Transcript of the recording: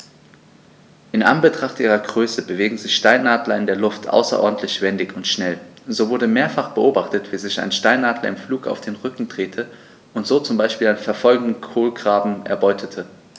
In Anbetracht ihrer Größe bewegen sich Steinadler in der Luft außerordentlich wendig und schnell, so wurde mehrfach beobachtet, wie sich ein Steinadler im Flug auf den Rücken drehte und so zum Beispiel einen verfolgenden Kolkraben erbeutete.